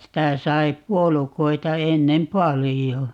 sitä sai puolukoita ennen paljon